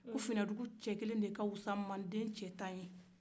ko finadugu cɛ kelen de ka kusa ni mande cɛ tan ye